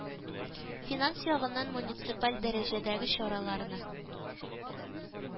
Финанс ягыннан, муниципаль дәрәҗәдәге чараларны